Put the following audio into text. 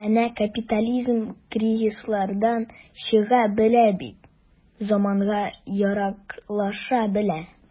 Әнә капитализм кризислардан чыга белә бит, заманга яраклаша белә.